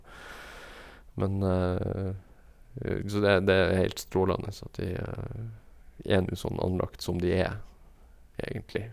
men Så det det er heilt strålende at de er nu sånn anlagt som de er, egentlig.